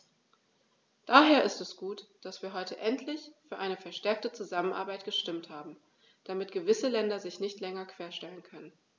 Daher ist es gut, dass wir heute endlich für eine verstärkte Zusammenarbeit gestimmt haben, damit gewisse Länder sich nicht länger querstellen können.